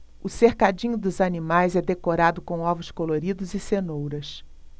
o cercadinho dos animais é decorado com ovos coloridos e cenouras